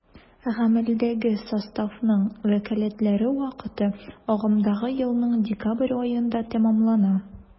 Гамәлдәге составның вәкаләтләре вакыты агымдагы елның декабрь аенда тәмамлана.